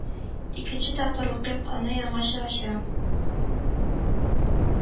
Икенче тапкыр укыйм, аны яңача ачам